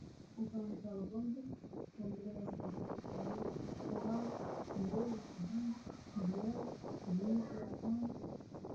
Halkaan waxaa yaalo boonbalo waxaa kujiro fanaanad midabkeedu uu yahay madow, cadaan, fiyool iyo buluug.